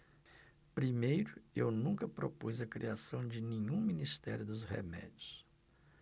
primeiro eu nunca propus a criação de nenhum ministério dos remédios